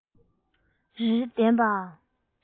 རེ རེ ལྡན པའང